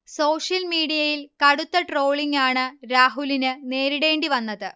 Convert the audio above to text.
social മിഡീയയിൽ കടുത്ത trolling ആണ് രാഹുലിന് നേരിടേണ്ടിവന്നത്